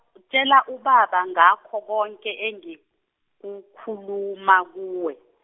tshela ubaba ngakho konke engikukhuluma kuwe.